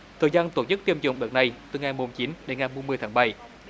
thời gian tổ chức tiêm chủng đợt này từ ngày mùng chín đến ngày mùng mười tháng bảy